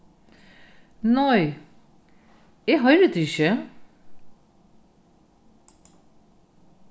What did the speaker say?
nei eg hoyri teg ikki